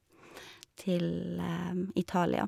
Til Italia.